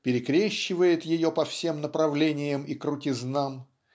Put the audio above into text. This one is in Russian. перекрещивает ее по всем направлениям и крутизнам